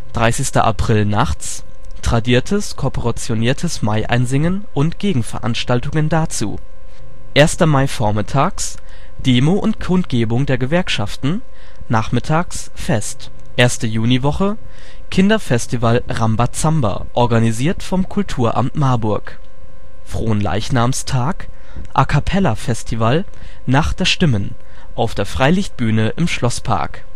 30. April nachts: tradiertes korporationiertes Maieinsingen und Gegenveranstaltungen dazu 1. Mai vormittags: Demo und Kundgebung der Gewerkschaften, nachmittags Fest erstes Juniwoche: Kinderfestival " Ramba Zamba " (organisiert vom Kulturamt Marburg) Fronleichnamstag: A-capella-Festival " Nacht der Stimmen " auf der Freilichtbühne im Schlosspark